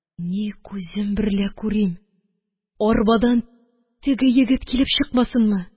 Ни күзем берлә күрим, арбадан теге егет килеп чыкмасынмы!